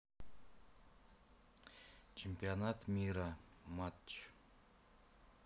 чемпионат мира матч